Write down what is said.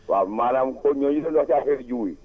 waaw maanaam comme ñooñu doon wax ci affaire jiw yi